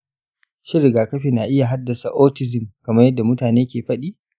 shin rigaakafi na iya haddasa autism kaman yanda mutane ke fadi?